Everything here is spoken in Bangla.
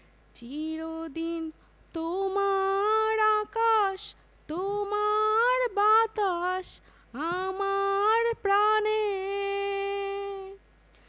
চির দিন তোমার আকাশ তোমার বাতাস আমার প্রাণে